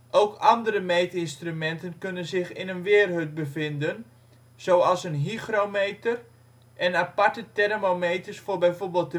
Ook andere meetinstrumenten kunnen zich in een weerhut bevinden, zoals een hygrometer en aparte thermometers voor bijvoorbeeld